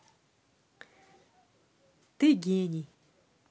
ты гений